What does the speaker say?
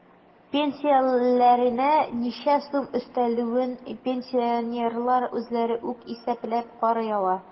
Пенсияләренә ничә сум өстәлүен пенсионерлар үзләре үк исәпләп карый ала.